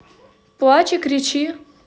плачь и кричи